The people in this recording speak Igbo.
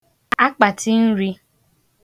akpàtinrī